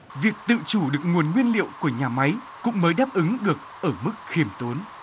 việc tự chủ được nguồn nguyên liệu của nhà máy cũng mới đáp ứng được ở mức khiêm tốn